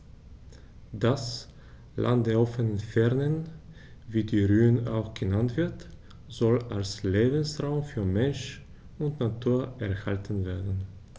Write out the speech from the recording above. Das „Land der offenen Fernen“, wie die Rhön auch genannt wird, soll als Lebensraum für Mensch und Natur erhalten werden.